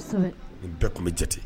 Bɛɛ tun bɛ jate